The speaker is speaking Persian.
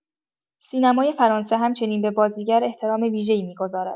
سینمای فرانسه همچنین به بازیگر احترام ویژه‌ای می‌گذارد.